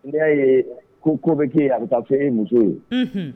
N'i y'a ye ko kɔbeke a bɛ taa fɛ e muso ye